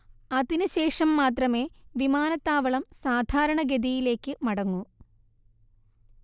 അതിന് ശേഷം മാത്രമേ വിമാനത്താവളം സാധാരണഗതിയിലേക്ക് മടങ്ങൂ